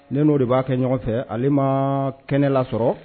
Ne n'o de b'a kɛ ɲɔgɔn fɛ ale ma kɛnɛ lasɔrɔ